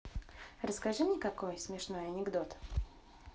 расскажи мне какой смешной анекдот